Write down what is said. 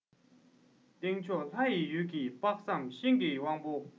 སྟེང ཕྱོགས ལྷ ཡི ཡུལ གྱི དཔག བསམ ཤིང གི དབང པོ